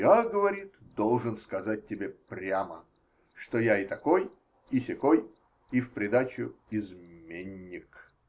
-- Я, -- говорит, -- должен сказать тебе прямо, что я и такой, и сякой, и в придачу изменник.